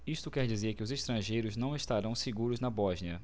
isso quer dizer que os estrangeiros não estarão seguros na bósnia